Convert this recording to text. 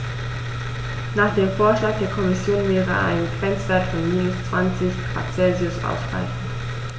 Nach dem Vorschlag der Kommission wäre ein Grenzwert von -20 ºC ausreichend.